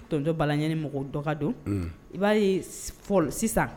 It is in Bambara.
Tonto balaani mɔgɔ dɔgɔka don i b'a ye fɔlɔ sisan